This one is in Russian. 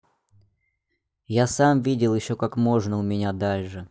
я сам видел еще как можно у меня даже